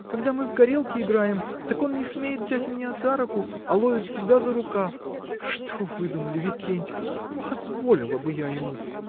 — Когда мы в горелки играем, так он не смеет взять меня за руку, а ловит всегда за рукав! Что выдумали: Викентьев! Позволила бы я ему!